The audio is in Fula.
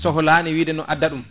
sohlani wide no adda ɗum